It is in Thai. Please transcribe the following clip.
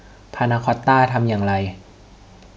พานาคอตต้าทำอย่างไร